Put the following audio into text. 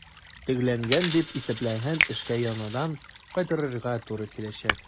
Төгәлләнгән дип исәпләнгән эшкә яңадан кайтырга туры киләчәк.